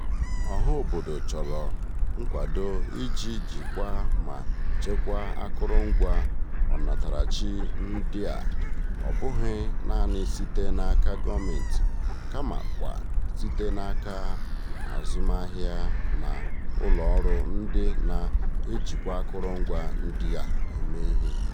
Ọhaobodo chọrọ nkwado iji jikwaa ma chekwaa akụrụngwa ọnatarachi ndị a ọbụghị naanị site n'aka gọọmentị kamakwa site n'aka azụmaahịa na ụlọọrụ ndị na-ejikwa akụrụngwa ndị a eme ihe.